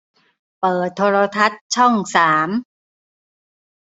เปิดโทรทัศน์ช่องสาม